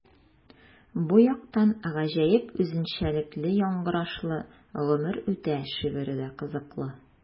Бу яктан гаҗәеп үзенчәлекле яңгырашлы “Гомер үтә” шигыре дә кызыклы.